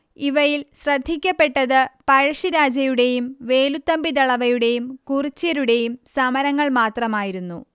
ഇവയിൽ ശ്രദ്ധിക്കപ്പെട്ടത് പഴശ്ശിരാജയുടേയും വേലുത്തമ്പിദളവയുടേയും കുറിച്യരുടേയും സമരങ്ങൾ മാത്രമായിരുന്നു